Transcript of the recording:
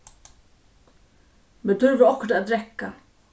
mær tørvar okkurt at drekka